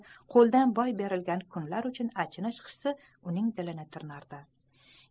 qo'ldan boy berilgan kunlar uchun achinish hissi uning dilini tirnar edi